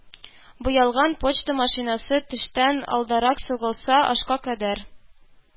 Буялган почта машинасы төштән алдарак сугылса, ашка кадәр